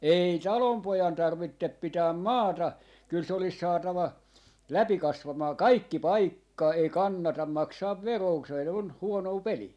ei talonpojan tarvitse pitää maata kyllä se olisi saatava läpi kasvamaan kaikki paikka ei kannata maksaa veroa - se on huonoa peliä